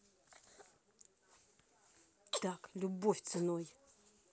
так любовь ценой